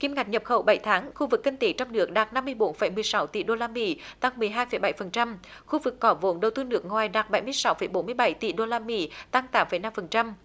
kim ngạch nhập khẩu bảy tháng khu vực kinh tế trong nước đạt năm mươi bốn phẩy mười sáu tỷ đô la mỹ tăng mười hai phẩy bảy phần trăm khu vực có vốn đầu tư nước ngoài đạt bảy mươi sáu phẩy bốn mươi bảy tỷ đô la mỹ tăng tám phẩy năm phần trăm